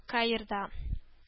Каирда